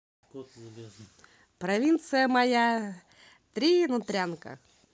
провинция моя три нутрянка